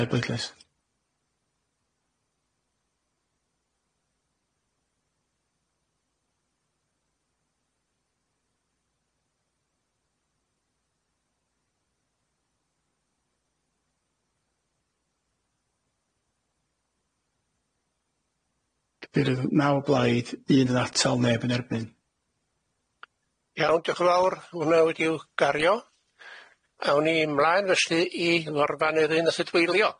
Cau y bleidlais. Cadeirydd naw o blaid un yn atal neb yn erbyn. Iawn diolch yn fawr, hwnna wedi'w gario, awn ni mlaen felly i Morfan Nefyn a Thudweiliog.